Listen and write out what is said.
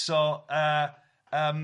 So yy yym.